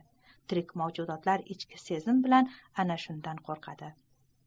tirik mavjudotlar ichki sezim bilan ana shundan qorqadi